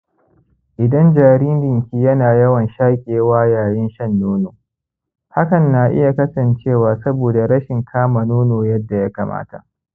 idan jaririnki yana yawan shakewa yayin shan nono, hakan na iya kasancewa saboda rashin kama nono yadda ya kamata.